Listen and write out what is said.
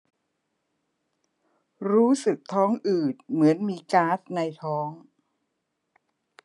รู้สึกท้องอืดเหมือนมีก๊าซในท้อง